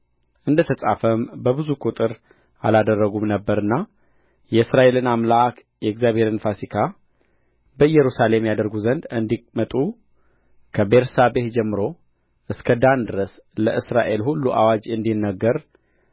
እንደ ተጻፈም በብዙ ቍጥር አላደረጉም ነበርና የእስራኤልን አምላክ የእግዚአብሔርን ፋሲካ በኢየሩሳሌም ያደርጉ ዘንድ እንዲመጡ ከቤርሳቤህ ጀምሮ እስከ ዳን ድረስ ለእስራኤል ሁሉ አዋጅ እንዲነገር